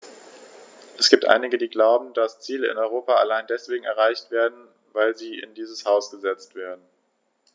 Es gibt einige, die glauben, dass Ziele in Europa allein deswegen erreicht werden, weil sie in diesem Haus gesetzt werden.